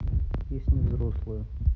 песни взрослые